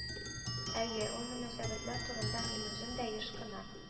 Әйе, ул мөнәсәбәтләр турында мин үзем дә еш кына